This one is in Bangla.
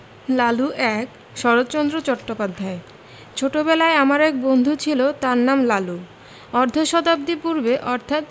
লালু ১ শরৎচন্দ্র চট্টোপাধ্যায় ছেলেবেলায় আমার এক বন্ধু ছিল তার নাম লালু অর্ধ শতাব্দী পূর্বে অর্থাৎ